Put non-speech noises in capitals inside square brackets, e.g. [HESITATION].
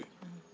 [HESITATION] [HESITATION]